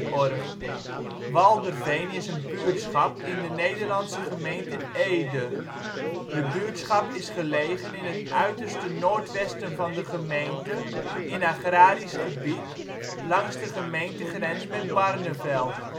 OL Walderveen Plaats in Nederland Situering Provincie Gelderland Gemeente Ede Coördinaten 52° 7′ NB, 5° 33′ OL Portaal Nederland Beluister (info) Walderveen is een buurtschap in de Nederlandse gemeente Ede. De buurtschap is gelegen in het uiterste noordwesten van de gemeente in agrarisch gebied, langs de gemeentegrens met Barneveld